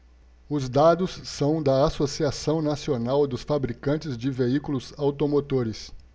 os dados são da anfavea associação nacional dos fabricantes de veículos automotores